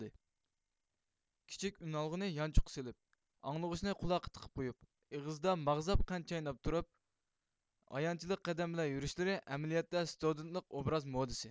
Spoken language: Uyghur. كىچىك ئۈنئالغۇنى يانچۇققا سېلىپ ئاڭلىغۇچنى قۇلاققا تىقىپ قويۇپ ئېغىزىدا ماغزاپ قەنت چايناپ تۇرۇپ ئايانچلىق قەدەم بىلەن يۈرۈشلىرى ئەمەلىيەتتە ستۇدېنتلىق ئوبراز مودىسى